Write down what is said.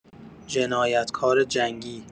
جنایتکار جنگی